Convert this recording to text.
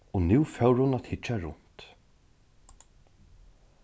og nú fór hon at hyggja runt